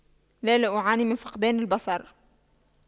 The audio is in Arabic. لا لا أعاني من فقدان البصر